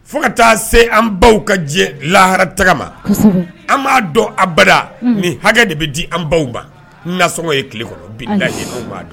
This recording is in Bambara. Fo ka taa se an baw ka jɛ lahara tagama an b'a dɔn abada ni hakɛ de bɛ di an baw ma nasɔngɔ ye tile kɔnɔ bin da b'a dɔn